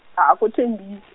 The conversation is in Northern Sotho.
a ko Tembisa.